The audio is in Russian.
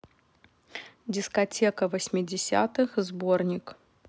дискотека восьмидесятых сборник